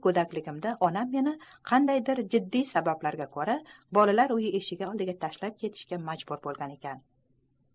go'dakligimda onam meni qandaydir jiddiy sabablarga ko'ra bolalar uyi eshigi oldiga tashlab ketishga majbur bo'lgan ekan